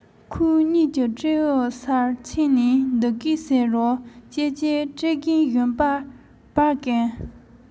ཁོས གཉིས ཀྱི སྤྲེའུའི སར ཕྱིན ནས འདི སྐད ཟེར རོ ཀྱེ ཀྱེ སྤྲེའུ རྒན གཞོན བར བ ཀུན